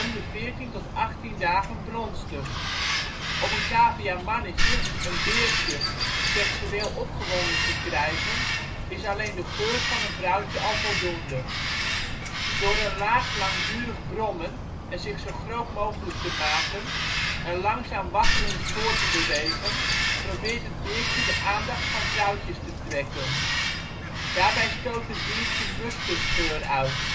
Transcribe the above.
de 14-18 dagen bronstig. Om een caviamannetje (beertje) seksueel opgewonden te krijgen is alleen de geur van een vrouwtje al voldoende. Door een laag langdurig brommen en zich zo groot mogelijk te maken en langzaam waggelend voort te bewegen probeert het beertje de aandacht van vrouwtjes te trekken. Daarbij stoot het diertje muskusgeur uit